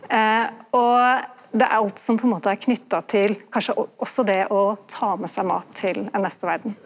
og det er alt som på ein måte er knytt til kanskje også det å ta med seg mat til den neste verda.